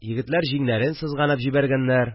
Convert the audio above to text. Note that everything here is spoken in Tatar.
Егетләр җиңнәрен сызганып җибәргәннәр